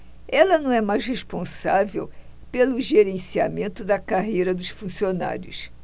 ela não é mais responsável pelo gerenciamento da carreira dos funcionários